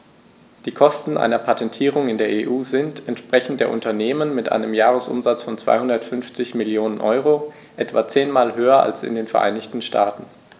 Die Kosten einer Patentierung in der EU sind, entsprechend der Unternehmen mit einem Jahresumsatz von 250 Mio. EUR, etwa zehnmal höher als in den Vereinigten Staaten.